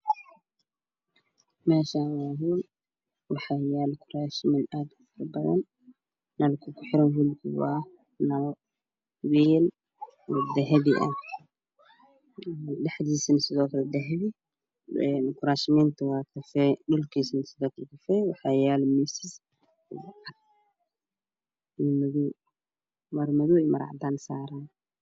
Meshaan waa hool waxaa yala doors aadupadan waxa ku xiran nal ween o dahapi ah dhaxdeesana dahape kurastana waa dahapi dhukiisna kafee waxaa yala misas cad iyo madow